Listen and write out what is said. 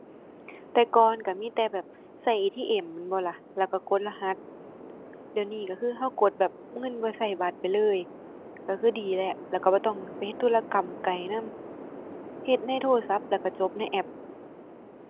แต่ก่อนก็มีแต่แบบก็ ATM แม่นบ่ล่ะ แล้วก็กดรหัส เดี๋ยวนี้ก็คือก็กดแบบเงินบ่ก็บัตรไปเลย ก็คือดีแหละ แล้วก็บ่ต้องไปเฮ็ดธุรกรรมไกลนำ เฮ็ดในโทรศัพท์แล้วก็จบในแอป